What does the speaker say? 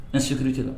N sigin tɛ